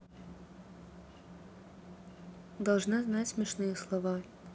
должна знать смешные слова